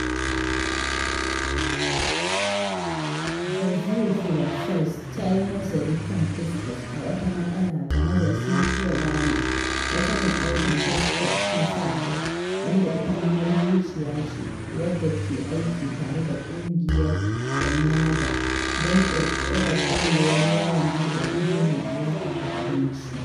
The View from Fez ta yi nazari kan couscous a wata maƙala game da Cynthia Berning, wata mai aikin Peace Corps na sa kai(wanda ita ma marubuciya ce), wadda ke aiki tare da Ƙungiyar ENNAHDA don ƙirƙirar ƙwarewar yawon buɗe ido mai alaƙa da abinci.